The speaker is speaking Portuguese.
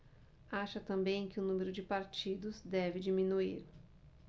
acha também que o número de partidos deve diminuir